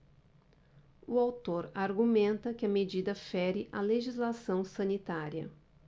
o autor argumenta que a medida fere a legislação sanitária